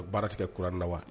Baara tigɛ kuran na wa